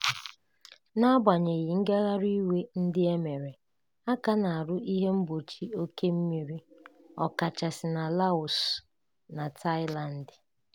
Na-agbanyeghị ngagharị iwe ndị e mere, a ka na-arụ ihe mgbochi oke mmiri, ọkachasị na Laos na Thailand.